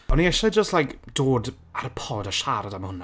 O'n i isie just like dod ar y pod a siarad am hwnna...